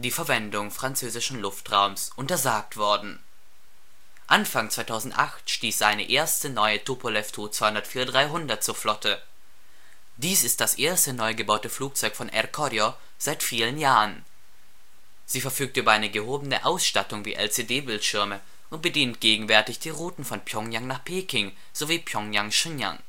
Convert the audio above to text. Verwendung französischen Luftraums untersagt worden. Anfang 2008 stieß eine erste neue Tupolew Tu-204-300 zur Flotte. Dies ist das erste neugebaute Flugzeug von Air Koryo seit vielen Jahren. Sie verfügt über eine gehobene Ausstattung wie LCD-Bildschirme und bedient gegenwärtig die Routen von Pjöngjang nach Peking sowie Pjöngjang – Shenyang